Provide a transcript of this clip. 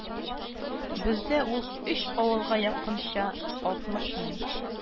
Бездә ул өч авылга якынча алтмыш мең